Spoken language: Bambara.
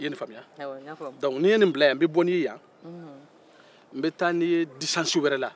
i ye nin faamuya awɔ n y'a faamu nin n ye nin bila yan n bɛ bɔ n'i ye yan n bɛ taa n'i ye fan wɛrɛ la